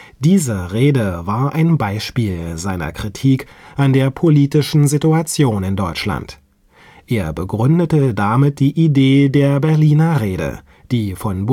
Diese Rede war ein Beispiel seiner Kritik an der politischen Situation in Deutschland. Er begründete damit die Idee der Berliner Rede, die von